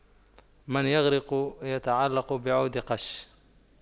من يغرق يتعلق بعود قش